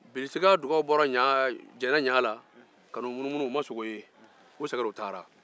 bilisi ka dugaw bɔla ɲa jɛnɛ ɲa la ka na u munumunu u ma sogo ye u segin na u taala